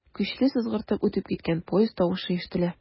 Көчле сызгыртып үтеп киткән поезд тавышы ишетелә.